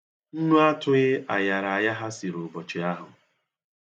Nnu atụghị ayaraaya ha siri ụbọchi ahụ.